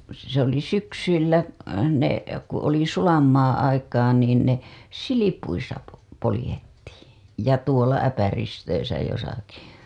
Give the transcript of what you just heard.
se oli syksyillä ne kun oli sulan maan aikaa niin ne silpuissa - poljettiin ja tuolla äpäristöissä jossakin